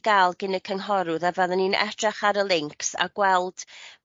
ga'l gin y cynghorwdd a fydden ni'n edrych ar y lincs a gweld